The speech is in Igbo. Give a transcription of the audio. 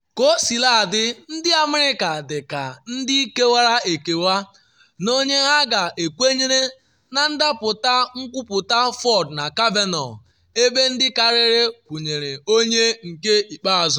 Kaosiladị, Ndị America dị ka ndị kewara ekewa n’onye ha ga-ekwenyere na ndapụta nkwuputa Ford na Kavanaugh, ebe ndị karịrị kwụnyere onye nke ikpeazụ.